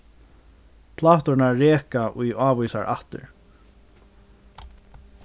pláturnar reka í ávísar ættir